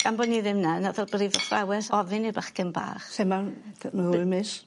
gan bo' ni ddim 'na natho athrawes ofyn i'r bachgyn bach lle ma' n'w my- yy miss?